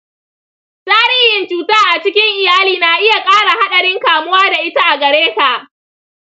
tarihin cuta a cikin iyali na iya ƙara haɗarin kamuwa da ita a gare ka.